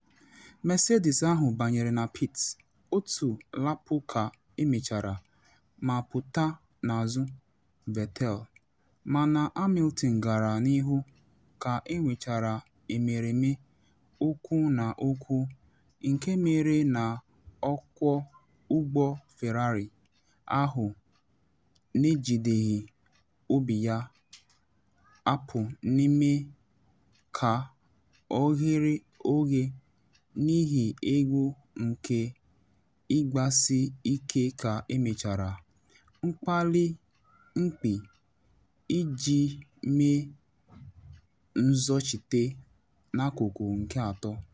Mercedes ahụ banyere na pit otu lapụ ka emechara ma pụta n’azụ Vettel, mana Hamilton gara n’ihu ka enwechara mmereme ụkwụ-na-ụkwụ nke mere na ọkwọ ụgbọ Ferrari ahụ n’ejighi obi ya hapụ ime ka o ghere oghe n’ihi egwu nke ịgbasi ike ka emechara mkpali-mkpị iji mee nzọchite n’akụkụ nke atọ.